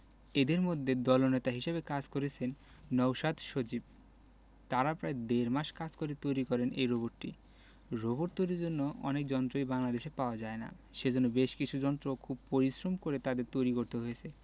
এদের মধ্যে দলনেতা হিসেবে কাজ করেছেন নওশাদ সজীব তারা প্রায় দেড় মাস কাজ করে তৈরি করেন এই রোবটটি রোবট তৈরির জন্য অনেক যন্ত্রই বাংলাদেশে পাওয়া যায় না সেজন্য বেশ কিছু যন্ত্র খুব পরিশ্রম করে তাদের তৈরি করতে হয়েছে